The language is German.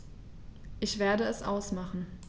Ich werde es ausmachen